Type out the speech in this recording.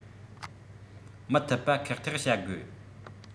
མི ཐུབ པ ཁག ཐེག བྱ དགོས